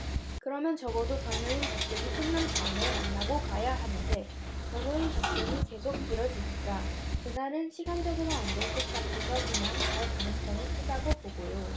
그러면 적어도 변호인 접견이 끝난 다음에 만나고 가야 하는데 변호인 접견이 계속 길어지니까 그날은 시간적으로 안 될 것 같아서 그냥 갈 가능성이 크다고 보고요